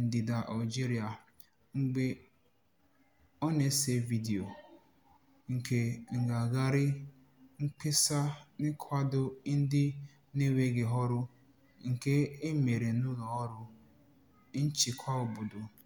ndịda Algeria, mgbe ọ na-ese vidiyo nke ngagharị mkpesa n'ịkwado ndị na-enweghị ọrụ nke e mere n'ụlọọrụ nchịkwa obodo.